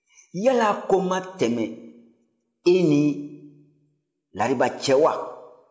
yala ko ma tɛmɛ i ni lariba cɛ wa